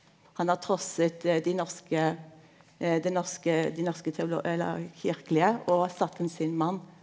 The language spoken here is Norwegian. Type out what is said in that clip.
han har trossa dei norske det norske dei norske eller kyrkjelege og satt inn sin mann.